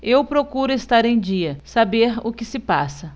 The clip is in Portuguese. eu procuro estar em dia saber o que se passa